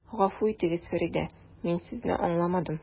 Гафу итегез, Фәридә, мин Сезне аңламадым.